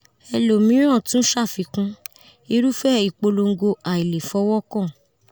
ẹlmiran tun ṣafikun: “Irufẹ ipolongo ailefọwọkan.”